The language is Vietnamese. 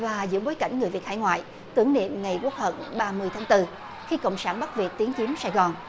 và giữa bối cảnh người việt hải ngoại tưởng niệm ngày quốc hận ba mươi tháng tư khi cộng sản bắc việt tiến chiếm sài gòn